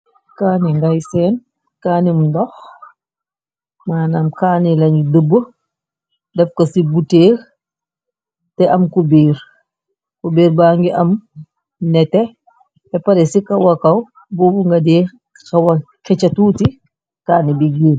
kanni ngay seen kannimu ndox maanam kanni lanu dubb daf ko ci buteer te am ku biir ku biir ba ngi am nete e pare ci kawa kaw boobu nga deex xawa keca tuuti kanni bi giir